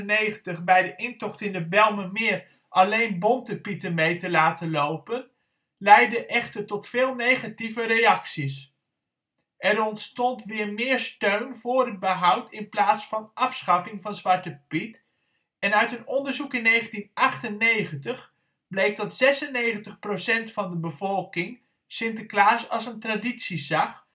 1997 bij de intocht in de Bijlmermeer alleen Bonte Pieten mee te laten lopen leidde echter tot veel negatieve reacties. Er ontstond weer meer steun voor het behoud in plaats van afschaffing van Zwarte Piet en uit een onderzoek in 1998 bleek dat 96 % van de bevolking Sinterklaas als een traditie zag